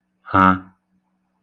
hā